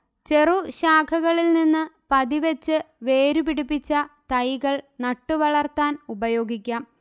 ചെറുശാഖകളിൽനിന്ന് പതിവെച്ച് വേരുപിടിപ്പിച്ച തൈകൾ നട്ടുവളർത്താൻ ഉപയോഗിക്കാം